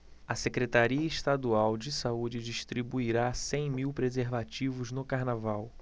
a secretaria estadual de saúde distribuirá cem mil preservativos no carnaval